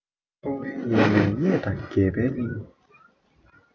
འཁོར བའི གཡས གཡོན གཡང དང གད པའི གླིང